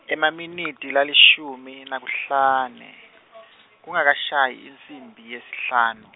Emaminitsi lalishumi nesihlanu , kungekashayi insimbi yesihlanu.